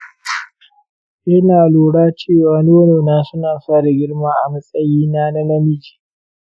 ina lura cewa nonona suna fara girma a matsayina na namiji.